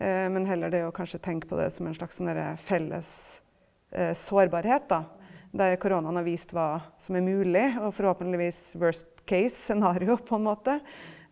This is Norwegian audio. men heller det å kanskje å tenke på det som en slags sånn derre felles sårbarhet da, der koronaen har vist hva som er mulig og forhåpentligvis worst-case-scenario på en måte.